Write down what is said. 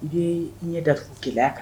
I bɛ i ɲɛ datugu gɛlɛya kan.